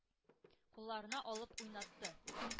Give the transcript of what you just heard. Кулларына алып уйнатты.